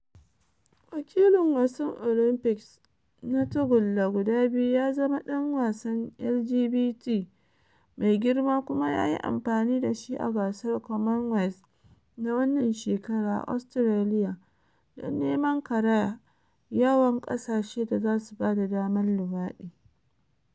Wakilin wasan Olympics na tagulla guda biyu ya zama dan wasan LGBT mai girma kuma ya yi amfani da shi a gasar Commonwealth na wannan shekara a Australia don neman kara yawan kasashe da zasu bada daman luwadi.